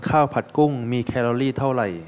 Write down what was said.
ข้าวผัดกุ้งมีแคลอรี่เท่าไหร่